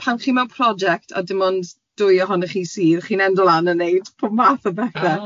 ...pan chi mewn project a dim ond dwy ohonoch chi sydd, chi'n endo lan yn gwneud pob math o bethe.